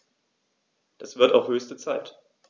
Das wird auch höchste Zeit!